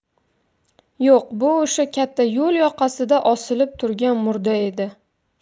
yo'q bu o'sha katta yo'l yoqasida osilib turgan murda edi